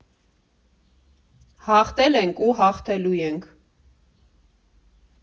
Հաղթել ենք ու հաղթելու ենք։